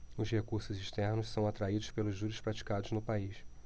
os recursos externos são atraídos pelos juros praticados no país